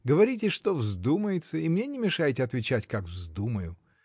Говорите, что вздумается, и мне не мешайте отвечать, как вздумаю.